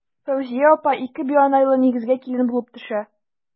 Фәүзия апа ике бианайлы нигезгә килен булып төшә.